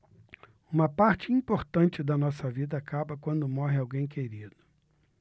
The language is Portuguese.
uma parte importante da nossa vida acaba quando morre alguém querido